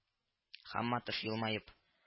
Хамматов, елмаеп: